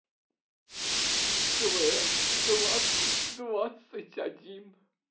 квн двадцать двадцать один